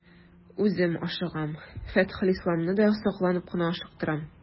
Үзем ашыгам, Фәтхелисламны да сакланып кына ашыктырам.